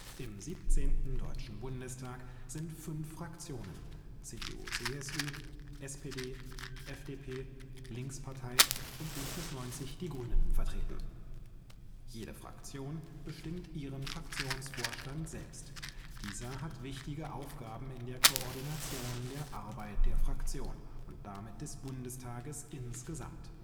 Im 17. Deutschen Bundestag sind fünf Fraktionen (CDU/CSU, SPD, FDP, Linkspartei, Bündnis 90/Die Grünen) vertreten. Jede Fraktion bestimmt ihren Fraktionsvorstand selbst; dieser hat wichtige Aufgaben in der Koordination der Arbeit der Fraktion und damit des Bundestages insgesamt